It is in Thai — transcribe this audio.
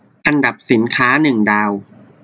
อันดับสินค้าหนึ่งดาว